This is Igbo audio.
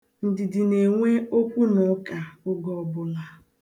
Ndidi na-enwe okwunụka oge ọbụla.